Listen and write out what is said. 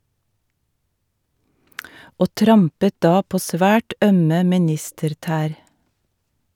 Og trampet da på svært ømme ministertær.